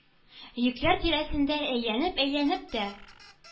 Йөкләр тирәсендә әйәнеп-әйәнеп тә